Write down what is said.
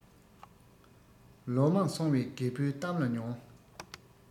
ལོ མང སོང བའི རྒད པོའི གཏམ ལ ཉོན